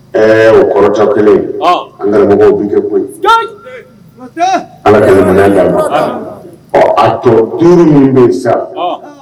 O kɔrɔtɔ kelen an karamɔgɔmɔgɔw' kɛ koyi ala ɲa ɔ a toratouru minnu bɛ sa